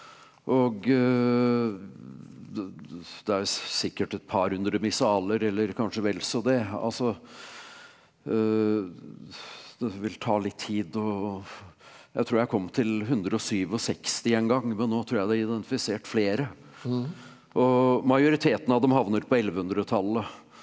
og det der er sikkert et par 100 missaler eller kanskje vel så det altså det vil ta litt tid og jeg tror jeg kom til 167 en gang men nå tror jeg det er identifisert flere og majoriteten av dem havner på ellevehundretallet.